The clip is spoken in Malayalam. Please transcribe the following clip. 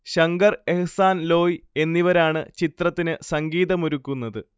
ശങ്കർ എഹ്സാൻ ലോയ് എന്നിവരാണ് ചിത്രത്തിന് സംഗീതമൊരുക്കുന്നത്